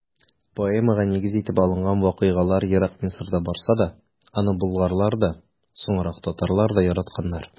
Поэмага нигез итеп алынган вакыйгалар ерак Мисырда барса да, аны болгарлар да, соңрак татарлар да яратканнар.